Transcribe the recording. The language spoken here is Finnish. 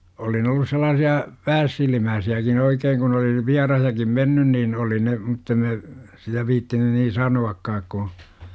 oli ne ollut sellaisia päässilmäisiäkin oikein kun oli niin vieraisiinkin mennyt niin oli ne mutta en minä sitä viitsinyt nyt niin sanoakaan kun